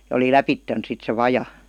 ja oli lävitse sitten se vaja